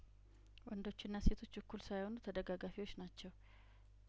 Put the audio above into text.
ወንዶችና ሴቶች እኩል ሳይሆኑ ተደጋጋፊዎች ናቸው